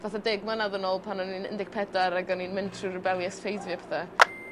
fatha deg mlynadd yn ôl pan o'n i'n un deg pedwar ag o'n mynd trwy rebelious phase fi a pethe